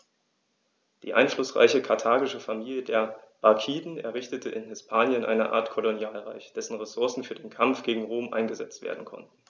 Die einflussreiche karthagische Familie der Barkiden errichtete in Hispanien eine Art Kolonialreich, dessen Ressourcen für den Kampf gegen Rom eingesetzt werden konnten.